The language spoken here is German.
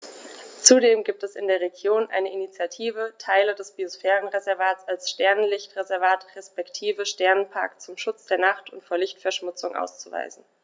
Zudem gibt es in der Region eine Initiative, Teile des Biosphärenreservats als Sternenlicht-Reservat respektive Sternenpark zum Schutz der Nacht und vor Lichtverschmutzung auszuweisen.